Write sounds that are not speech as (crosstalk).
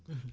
(hesitation) (hesitation)